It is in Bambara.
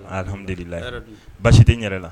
Alihamdulila basi ti yɛrɛ la